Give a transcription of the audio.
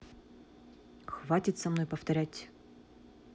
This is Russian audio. хватит со мной повторять